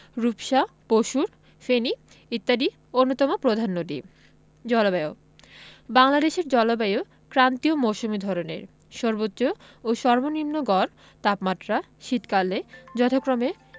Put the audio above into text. রূপসা পসুর ফেনী ইত্যাদি অন্যতম প্রধান নদী জলবায়ুঃ বাংলাদেশের জলবায়ু ক্রান্তীয় মৌসুমি ধরনের সর্বোচ্চ ও সর্বনিম্ন গড় তাপমাত্রা শীতকালে যথাক্রমে